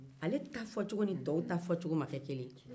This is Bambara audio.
ale ta fɔcogo ni tɔw ta ma ke kelen ye